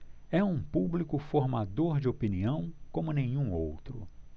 é um público formador de opinião como nenhum outro